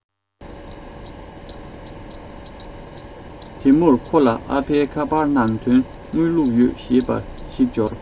དེ མྱུར ཁོ ལ ཨ ཕའི ཁ པར ནང དོན དངུལ བླུག ཡོད ཞེས པ ཞིག འབྱོར